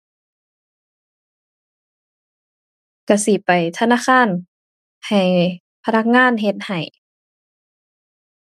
ก็สิไปธนาคารให้พนักงานเฮ็ดให้